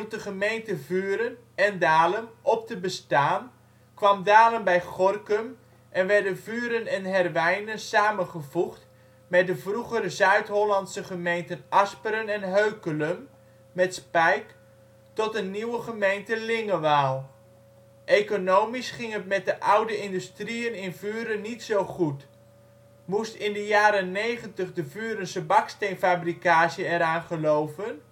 de gemeente Vuren (en Dalem) op te bestaan, kwam Dalem bij Gorinchem en werden Vuren en Herwijnen samengevoegd met de vroegere Zuid-Hollandse gemeenten Asperen en Heukelum (met Spijk) tot een nieuwe gemeente Lingewaal. Economisch ging het met de oude industrieën in Vuren niet zo goed. Moest in de jaren negentig de Vurense baksteenfabricage eraan geloven